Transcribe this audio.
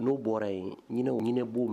N'o bɔra yen ɲw ɲinin b'